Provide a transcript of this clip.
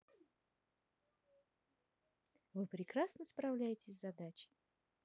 вы прекрасно справляетесь с задачей